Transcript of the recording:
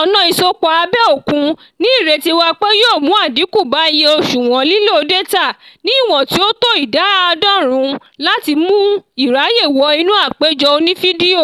Ọ̀nà ìsopọ̀ abẹ́ òkun ni ìrètí wà pé yóò mú àdínkù bá iye òṣùwọ̀n lílo dátà ní ìwọ̀n tí ó tó ìdá àádọ́rùn-ún àti láti mú ìráyè wọ inú àpéjọ oní fídíò,